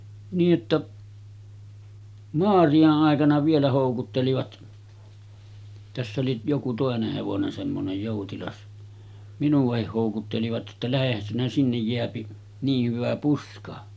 niin että Maarian aikana vielä houkuttelivat tässä oli joku toinen hevonen semmoinen joutilas minuakin houkuttelivat jotta lähdehän sinä sinne jää niin hyvä puska